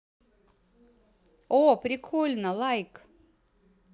о прикольно лайк